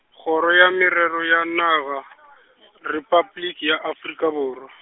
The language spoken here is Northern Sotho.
Kgoro ya merero ya Naga, Repabliki ya Afrika Borwa.